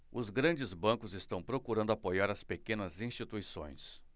os grandes bancos estão procurando apoiar as pequenas instituições